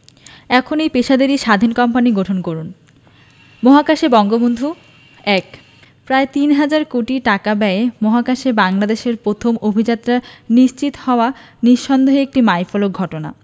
এখনই পেশাদারি স্বাধীন কোম্পানি গঠন করুন মহাকাশে বঙ্গবন্ধু ১ প্রায় তিন হাজার কোটি টাকা ব্যয়ে মহাকাশে বাংলাদেশের প্রথম অভিযাত্রা নিশ্চিত হওয়া নিঃসন্দেহে একটি মাইলফলক ঘটনা